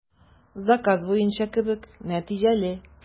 Заказ буенча кебек, нәтиҗәле.